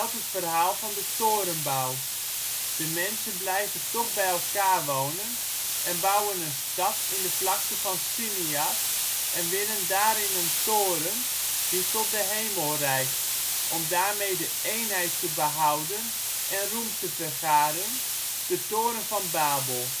verhaal van de torenbouw. De mensen blijven toch bij elkaar wonen en bouwen een stad in de vlakte van Sinear en willen daarin een toren die tot de hemel reikt, om daarmee de eenheid te behouden en roem te vergaren, de Toren van Babel